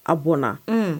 A bɔnna.